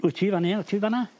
Wyt ti fan eol ti o fama?